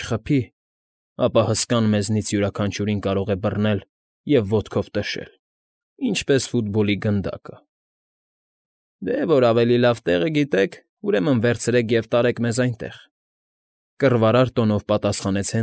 Չխփի, ապա հսկան մեզնից յուրաքանչյուրին կարող է բռնել և ոտքով տշել, ինչպես ֆուտբոլի գնդակը։ ֊ Թե որ ավելի լավ տեղ գիտեք, ուրեմն վերցրեք և տարեք մեզ այնտեղ…֊ կռվարար տոնով պատասխանեց։